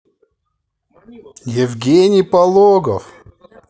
евгений пологов